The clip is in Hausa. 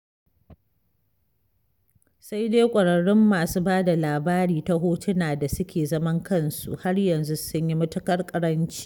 Sai dai ƙwararrun masu ba da labari ta hotuna da suke zaman kansu har yanzu sun yi matuƙar ƙaranci.